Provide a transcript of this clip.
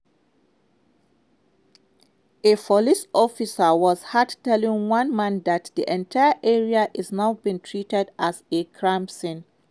A police officer was heard telling one man that the entire area is now being treated as a crime scene.